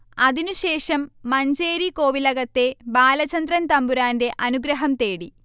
അതിനുശേഷം മഞ്ചേരി കോവിലകത്തെ ബാലചന്ദ്രൻ തന്പുരാൻറെ അനുഗ്രഹം തേടി